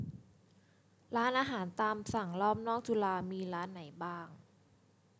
ร้านอาหารตามสั่งรอบนอกจุฬามีร้านไหนบ้าง